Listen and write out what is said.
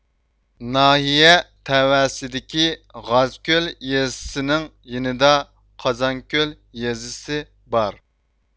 ناھىيە تەۋەسىدىكى غازكۆل يېزىسىنىڭ يېنىدا قازانكۆل يېزىسى بار